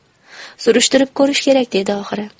surishtirib ko'rish kerak dedi oxiri